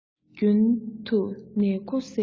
རྒྱུན དུ ནས གོ གསལ